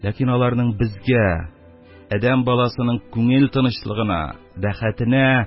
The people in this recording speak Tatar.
Ләкин аларның безгә, адәм баласының күңел тынычлыгына, рәхәтенә